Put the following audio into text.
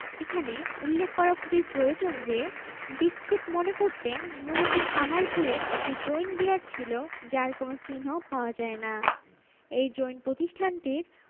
এখানে উল্লেখ করা খুবই প্রয়োজন যে দীক্ষিত মনে করতেন মূলত পাহাড়পুরে একটি জৈন বিহার ছিল যার কোন চিহ্ন পাওয়া যায় না এই জৈন প্রতিষ্ঠানটির